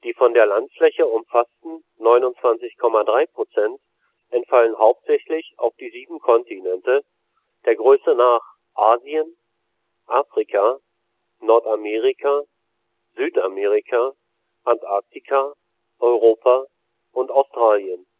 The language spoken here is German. von der Landfläche umfassten 29,3 % entfallen hauptsächlich auf sieben Kontinente; der Größe nach: Asien, Afrika, Nordamerika, Südamerika, Antarktika, Europa und Australien